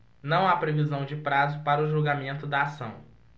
não há previsão de prazo para o julgamento da ação